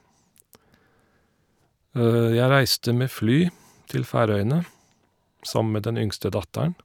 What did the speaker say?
Jeg reiste med fly til Færøyene sammen med den yngste datteren.